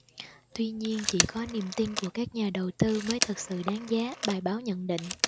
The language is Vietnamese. tuy nhiên chỉ có niềm tin của các nhà đầu tư mới thực sự đáng giá bài báo nhận định